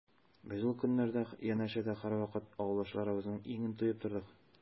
Без ул көннәрдә янәшәдә һәрвакыт авылдашларыбызның иңен тоеп тордык.